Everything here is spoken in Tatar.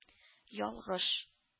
Ялгыш